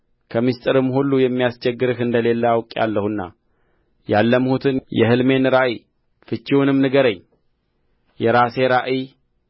ከምሥጢርም ሁሉ የሚያስቸግርህ እንደሌለ አውቄአለሁና ያለምሁትን የሕልሜን ራእይ ፍቺውንም ንገረኝ የራሴ ራእይ